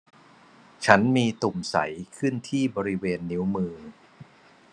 ฉันมีตุ่มใสขึ้นที่บริเวณนิ้วมือ